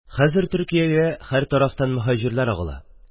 Хәзер Төркиягә һәр тарафтан моһаҗирлар агыла.